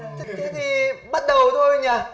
thế thì bắt đầu thôi nhờ